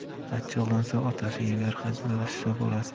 achchig'lansa otasi yengar hazillashsa bolasi